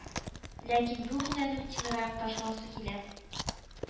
Ләкин бүгеннән үк тимераякта шуасы килә